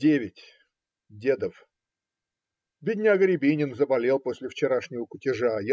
Девять ДЕДОВ. Бедняга Рябинин заболел после вчерашнего кутежа.